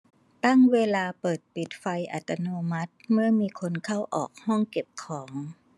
ตั้งเวลาเปิดปิดไฟอัตโนมัติเมื่อมีคนเข้าออกห้องเก็บของ